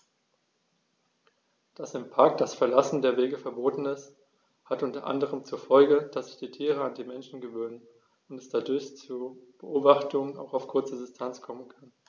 Dass im Park das Verlassen der Wege verboten ist, hat unter anderem zur Folge, dass sich die Tiere an die Menschen gewöhnen und es dadurch zu Beobachtungen auch auf kurze Distanz kommen kann.